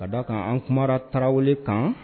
Ka da kan an kumara tarawele kan